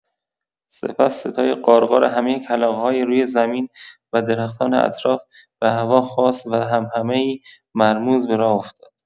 سپس صدای غارغار همه کلاغ‌های روی زمین و درختان اطراف به هوا خاست و همهمه‌ای مرموز به راه افتاد.